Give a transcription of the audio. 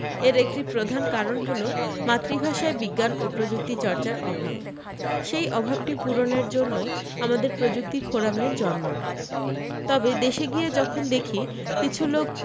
এর একটি প্রধান কারণ হলো মাতৃভাষায় বিজ্ঞান ও প্রযুক্তি চর্চার অভাব সেই অভাবটি পূরণের জন্যই আমাদের প্রযুক্তি ফোরামের জন্ম তবে দেশে গিয়ে যখন দেখি কিছু লোক